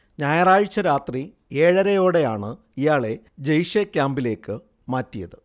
ഞായറാഴ്ച രാത്രി ഏഴരയോടെയാണ് ഇയാളെ ജെയ്ഷെ ക്യാമ്പിലേക്ക് മാറ്റിയത്